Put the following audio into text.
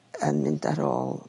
yn mynd ar ôl